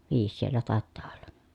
viisi siellä taitaa olla